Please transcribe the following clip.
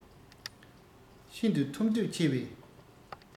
ཤིན ཏུ ཐོབ འདོད ཆེ བས